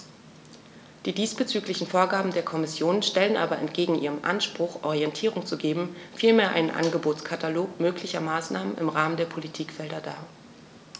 Die diesbezüglichen Vorgaben der Kommission stellen aber entgegen ihrem Anspruch, Orientierung zu geben, vielmehr einen Angebotskatalog möglicher Maßnahmen im Rahmen der Politikfelder dar.